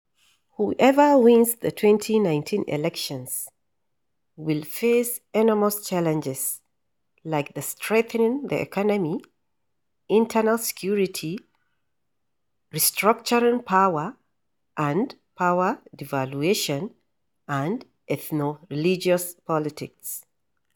Whoever wins the 2019 elections will face enormous challenges like the strengthening the economy, internal security, restructuring power and power devolution, and ethnoreligious politics.